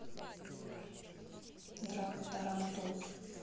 драка тарантулов